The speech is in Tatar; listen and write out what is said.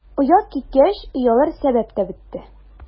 Оят киткәч, оялыр сәбәп тә бетте.